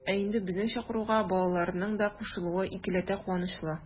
Ә инде безнең чакыруга балаларның да кушылуы икеләтә куанычлы.